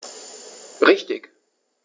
Richtig